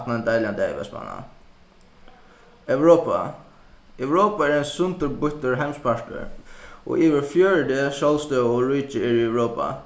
aftan á ein deiligan dag í vestmanna europa europa er ein sundurbýttur heimspartur og yvir fjøruti sjálvstøðug ríki eru í europa